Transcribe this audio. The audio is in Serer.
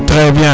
trés bien